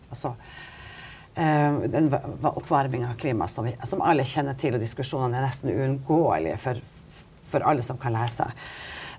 altså den oppvarminga av klima som vi som alle kjenner til og diskusjonen er neste uunngåelig for for alle som kan lese.